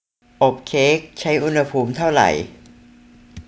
อบเค้กใช้อุณหภูมิเท่าไหร่